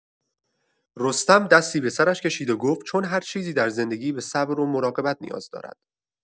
رستم دستی به سرش کشید و گفت: «چون هر چیزی در زندگی به صبر و مراقبت نیاز دارد.»